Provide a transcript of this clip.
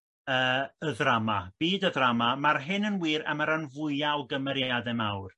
yy y ddrama byd y ddrama mae'r hyn yn wir am y rhan fwyaf o gymerieade mawr